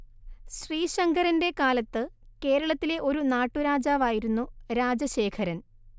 ശ്രീശങ്കരന്റെ കാലത്ത് കേരളത്തിലെ ഒരു നാട്ടു രാജാവായിരുന്നു രാജശേഖരൻ